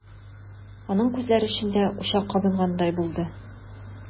Аның күзләр эчендә учак кабынгандай булды.